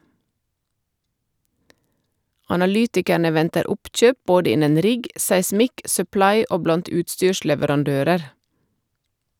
Analytikerne venter oppkjøp både innen rigg, seismikk, supply og blant utstyrsleverandører.